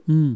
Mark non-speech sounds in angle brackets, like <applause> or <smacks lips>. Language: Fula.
<smacks lips>